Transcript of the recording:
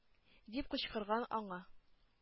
Дип кычкырган аңа.